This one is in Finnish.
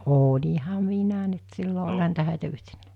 olinhan minä nyt silloin olihan niitä häitä yhtenään